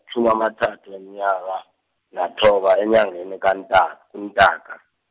-tjhumi amathathu weminyaka, nathoba enyangeni kaNta- kuNtaka.